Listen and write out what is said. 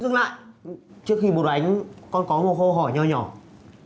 dừng lại trước khi bố đánh con có một câu hỏi nho nhỏ